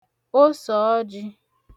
osòọjī